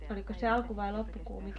olikos se alku- vai loppukuu mikä